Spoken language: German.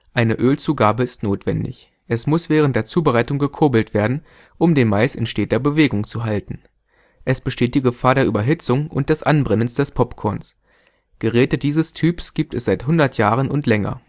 Eine Ölzugabe ist notwendig. Es muss während der Zubereitung gekurbelt werden, um den Mais in steter Bewegung zu halten. Es besteht die Gefahr der Überhitzung und des Anbrennens des Popcorns. Geräte dieses Typs gibt es seit 100 Jahren und länger